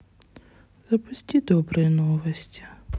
запусти добрые новости